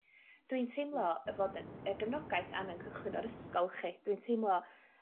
Dwi'n teimlo y fod y gefnogaeth angen cychwyn o'r ysgol 'chi dwi'n teimlo